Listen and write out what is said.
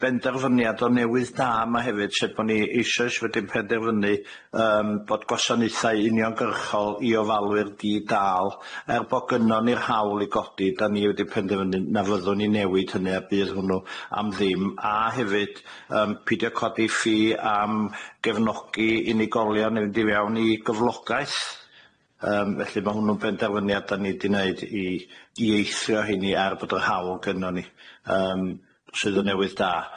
benderfyniad o newydd da yma hefyd sef bo ni eishoes wedyn penderfynu yym bod gwasanaethau uniongyrchol i ofalwyr di-dal er bo gynnon ni'r hawl i godi 'dan ni wedi penderfynu na fyddwn ni newid hynny a bydd hwnnw am ddim a hefyd yym pidio codi ffî am gefnogi unigolion i fynd i fewn i gyflogaeth yym felly ma' hwnnw'n benderfyniad 'dan ni 'di neud i i eithrio heini er bod yr hawl gynnon ni yym sydd yn newydd da.